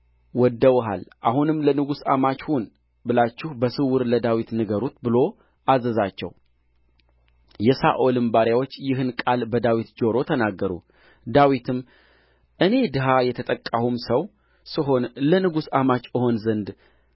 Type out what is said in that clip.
ወድደውሃል አሁንም ለንጉሥ አማች ሁን ብላችሁ በስውር ለዳዊት ንገሩት ብሎ አዘዛቸው የሳኦልም ባሪያዎች ይህን ቃል በዳዊት ጆሮ ተናገሩ ዳዊትም እኔ ድሀ የተጠቃሁም ሰው ስሆን ለንጉሥ አማች እሆን ዘንድ